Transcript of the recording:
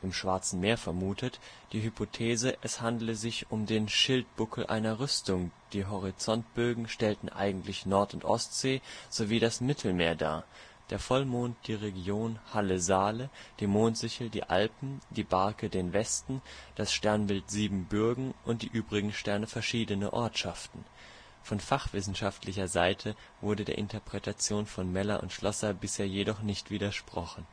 Schwarzen Meer vermutet) die Hypothese, es handele sich um den Schildbuckel einer Rüstung, die Horizontbögen stellten eigentlich Nord - und Ostsee sowie das Mittelmeer dar, der Vollmond die Region Halle/Saale, die Mondsichel die Alpen, die Barke den Westen, das Sternbild Siebenbürgen und die übrigen Sterne verschiedene Ortschaften. Von fachwissenschaftlicher Seite wurde der Interpretation von Meller und Schlosser bisher jedoch nicht widersprochen